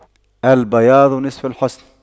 البياض نصف الحسن